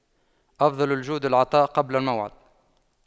أفضل الجود العطاء قبل الموعد